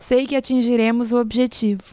sei que atingiremos o objetivo